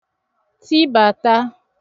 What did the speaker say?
tibàta